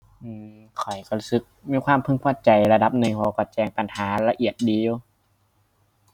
อืม ข้อยก็รู้สึกมีความพึงพอใจระดับหนึ่ง เพราะว่าก็แจ้งปัญหาละเอียดดีอยู่